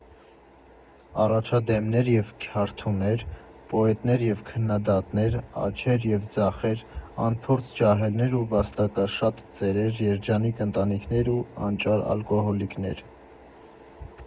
Առաջադեմներ և քյարթուներ, պոետներ և քննադատներ, աջեր և ձախեր, անփորձ ջահելներ ու վաստակաշատ ծերեր, երջանիկ ընտանիքներ ու անճար ալկոհոլիկներ։